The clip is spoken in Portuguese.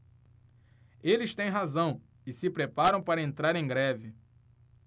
eles têm razão e se preparam para entrar em greve